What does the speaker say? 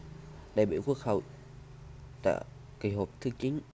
đại biểu quốc hội tại kỳ họp thứ chín